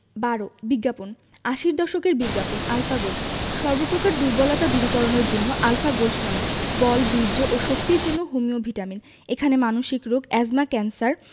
১২ বিজ্ঞাপন আশির দশকের বিজ্ঞাপন আলফা গোল্ড সর্ব প্রকার দুর্বলতা দূরীকরণের জন্য আল্ ফা গোল্ড টনিক –বল বীর্য ও শক্তির জন্য হোমিও ভিটামিন এখানে মানসিক রোগ এ্যজমা ক্যান্সার